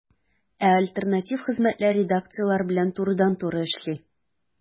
Ә альтернатив хезмәтләр редакцияләр белән турыдан-туры эшли.